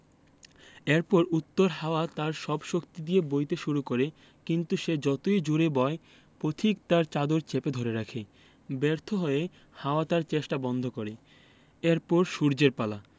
এরপর উত্তর হাওয়া তার সব শক্তি দিয়ে বইতে শুরু করে কিন্তু সে যতই জোড়ে বয় পথিক তার চাদর চেপে ধরে রাখে ব্যর্থ হয়ে হাওয়া তার চেষ্টা বন্ধ করে এর পর সূর্যের পালা